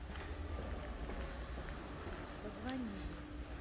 позвони ей